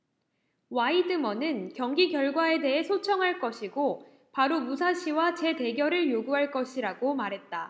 와이드먼은 경기 결과에 대해 소청할 것이고 바로 무사시와 재대결을 요구할 것이라고 말했다